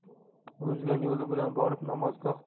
o'zgan yo'li bilan borib namozgohga